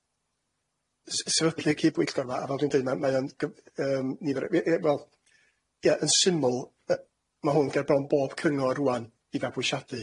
i Llywodraeth Cymru hefyd am eu cefnogaeth, ond Diolch yn fawr.